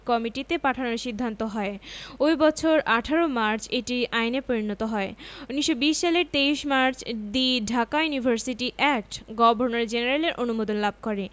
কমিটিতে পাঠানোর সিদ্ধান্ত হয় ওই বছর ১৮ মার্চ এটি আইনে পরিণত হয় ১৯২০ সালের ২৩ March the Dhaka university act governor জেনারেলের অনুমোদন লাভ করে